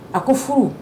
A ko furu